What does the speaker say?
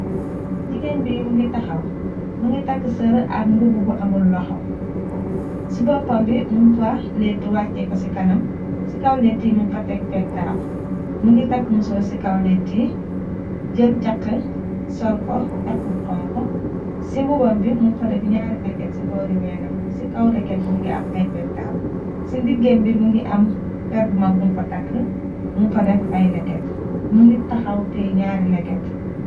Jigéen bi mu ngi taxaw, mi ngi tàkk sër ak mbubu bu amul loxo, si boppam bi mum fa letti wàcce ko si kanam, si kaw letii mum fa tek petaaw, më ngi takk musoor si kaw leti yi, jël cax sol ko, càx bu xonxu, si mbubam bi mum fa def ñaari leket si boori weenam bi, si kaw leket bi mingi am ay petaaw si ndiggéen bi, mingi am per bu mag bum fa takk, mum fa def ay leket, më ngi taxaw tiye ñaari lekket.